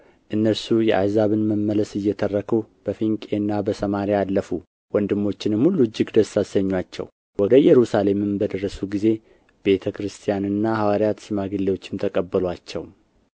እነርሱ የአሕዛብን መመለስ እየተረኩ በፊንቄና በሰማርያ አለፉ ወንድሞችንም ሁሉ እጅግ ደስ አሰኙአቸው ወደ ኢየሩሳሌምም በደረሱ ጊዜ ቤተ ክርስቲያንና ሐዋርያት ሽማግሌዎችም ተቀበሉአቸው